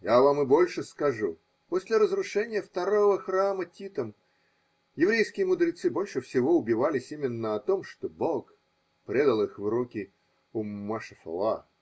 Я вам и больше скажу: после разрушения второго храма Титом еврейские мудрецы больше всего убивались именно о том, что Бог предал их в руки умма шефела.